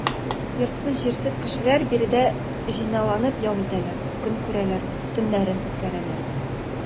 Йортсыз-җирсез кешеләр биредә җыйналып ял итәләр, көн күрәләр, төннәрен үткәрәләр.